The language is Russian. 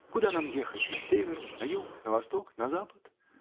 -- Куда нам ехать -- на север, на юг, на восток, на запад?